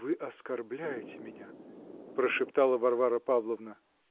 вы оскорбляете меня, -- прошептала Варвара Павловна.